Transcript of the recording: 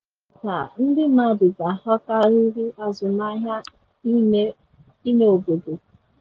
Iji mee nke a, ndị mmadụ ga-aghọtarịrị azụmụahịa ime obodo.